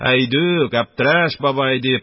- әйдүк, әптерәш бабай! - дип,